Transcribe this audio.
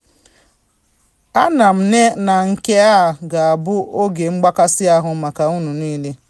Ama m na nke a ga-abụ oge mgbakasị ahụ maka unu niille.